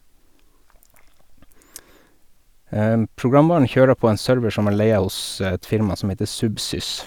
Programvaren kjører på en server som jeg leier hos et firma som heter Subsys.